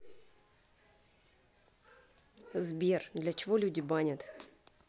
сбер для чего люди банят